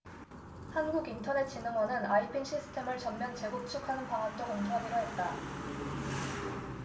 한국인터넷진흥원은 아이핀 시스템을 전면 재구축하는 방안도 검토하기로 했다